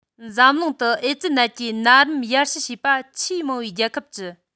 འཛམ གླིང དུ ཨེ ཙི ནད ཀྱི ན རིམ ཡར ཞུ བྱས པ ཆེས མང བའི རྒྱལ ཁབ བཅུ